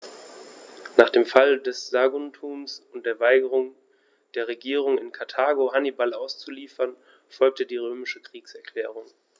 Nach dem Fall Saguntums und der Weigerung der Regierung in Karthago, Hannibal auszuliefern, folgte die römische Kriegserklärung.